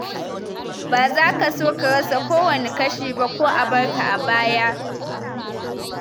Ba za ka so ka rasa kowane kashi ba ko a bar ka a baya.